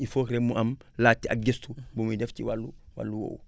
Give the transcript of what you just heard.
il faut rek mu am laajte ak gëstu bu muy def ci wàllu wàllu woowu